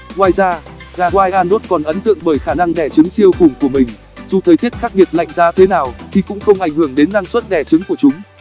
ngoài ra gà wyandotte còn ấn tượng bởi khả năng đẻ trứng siêu khủng của mình dù thời tiết khắc nghiệt lạnh giá thế nào thì cũng không ảnh hưởng đến năng suất đẻ trứng của chúng